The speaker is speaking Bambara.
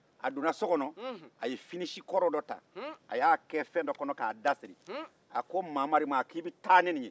a donna so kɔnɔ a ye finisi kɔrɔ dɔ taa a y'a kɛ fɛn dɔ kɔnɔ ka da siri a ko mamari ma k'i bɛ taa nin ni ye